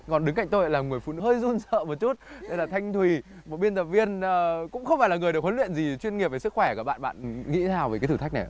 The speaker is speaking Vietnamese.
còn đứng cạnh tôi lại là người phụ nũ hơi run sợ một chút đây là thanh thùy một biên tập viên cũng không phải là người được huấn luyện gì chuyên nghiệp về sức khỏe bạn bạn nghĩ thế nào về cái thử thách này